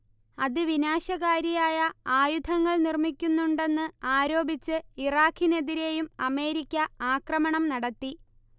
അതിവിനാശകാരിയായ ആയുധങ്ങൾ നിർമ്മിക്കുന്നുണ്ടെന്ന് ആരോപിച്ച് ഇറാഖിനെതിരെയും അമേരിക്ക ആക്രമണം നടത്തി